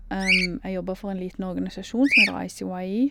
Jeg jobba for en liten organisasjon som heter ICYE.